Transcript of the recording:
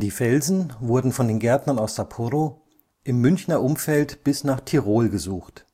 Felsen wurden von den Gärtnern aus Sapporo im Münchner Umfeld bis nach Tirol gesucht